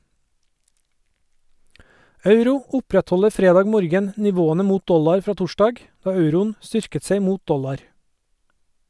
Euro opprettholder fredag morgen nivåene mot dollar fra torsdag, da euroen styrket seg mot dollar.